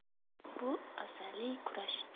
bu azaliy kurash